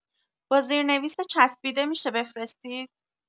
با زیرنویس چسبیده می‌شه بفرستید